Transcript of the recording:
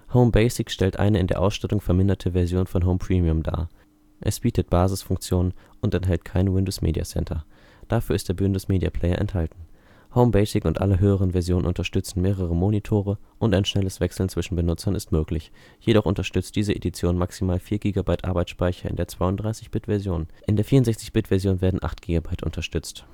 Home Basic stellt eine in der Ausstattung verminderte Version von Home Premium dar. Es bietet Basisfunktionen und enthält kein Windows Media Center. Dafür ist der Windows Media Player enthalten. Home Basic und alle höheren Versionen unterstützen mehrere Monitore und ein schnelles Wechseln zwischen Benutzern ist möglich, jedoch unterstützt diese Edition maximal 4 GB Arbeitsspeicher in der 32 Bit Version. In der 64 Bit Version werden 8 GB unterstützt